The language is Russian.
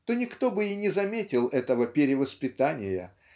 то никто бы и не заметил этого перевоспитания